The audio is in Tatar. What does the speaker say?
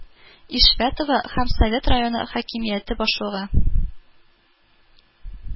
Ишмәтова һәм Совет районы хакимияте башлыгы